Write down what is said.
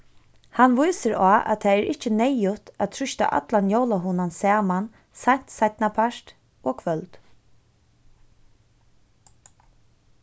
hann vísir á at tað er ikki neyðugt at trýsta allan jólahugnan saman seint seinnapart og kvøld